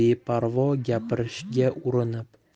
beparvo gapirishga urinib